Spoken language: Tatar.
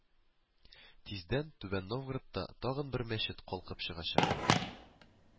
Тиздән Түбән Новгородта тагын бер мәчет калкып чыгачак